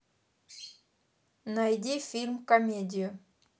найди фильм комедию